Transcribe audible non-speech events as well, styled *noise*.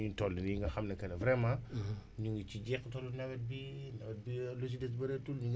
ñu ngi si jeexitalu nawet bi nawet bi *hesitation* li ci des bëreetul ñu ngi am yaakaar est ce que dina taw *noise* est ce que dina du